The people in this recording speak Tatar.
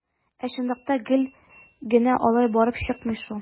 Ә чынлыкта гел генә алай барып чыкмый шул.